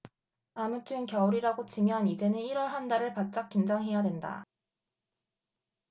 아무튼 겨울이라고 치면 이제는 일 월 한 달을 바짝 긴장해야 된다